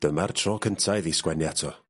Dyma'r tro cynta iddi sgwennu ato.